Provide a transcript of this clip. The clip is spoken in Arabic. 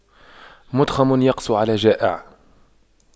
مُتْخَمٌ يقسو على جائع